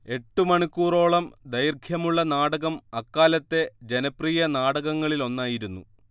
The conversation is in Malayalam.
എട്ടുമണിക്കൂറോളം ദൈർഘ്യമുള്ള നാടകം അക്കാലത്തെ ജനപ്രിയ നാടകങ്ങളിലൊന്നായിരുന്നു